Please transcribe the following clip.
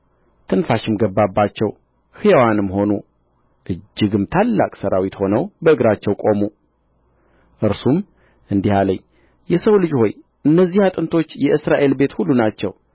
ትንፋሽም ገባባቸው ሕያዋንም ሆኑ እጅግም ታላቅ ሠራዊት ሆነው በእግራቸው ቆሙ እርሱም እንዲህ አለኝ የሰው ልጅ ሆይ እነዚህ አጥንቶች የእስራኤል ቤት ሁሉ ናቸው